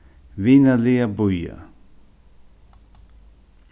vinarliga bíða